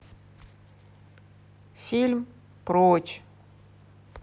фильм прочь